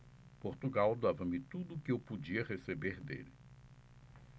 portugal dava-me tudo o que eu podia receber dele